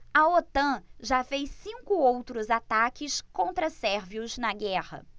a otan já fez cinco outros ataques contra sérvios na guerra